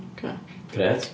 Oce... Gret...